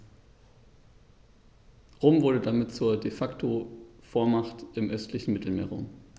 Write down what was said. Rom wurde damit zur ‚De-Facto-Vormacht‘ im östlichen Mittelmeerraum.